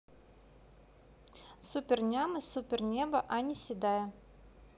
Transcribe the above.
супер нямы супер небо ани седая